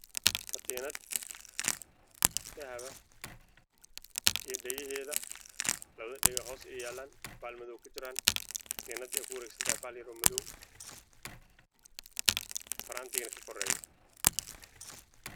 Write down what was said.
Katiinad tahab ah iyo faraanti ka koreeyo